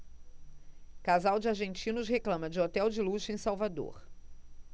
casal de argentinos reclama de hotel de luxo em salvador